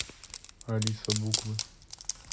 алиса буквы